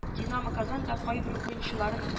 “динамо-казан” да кайбер уенчыларын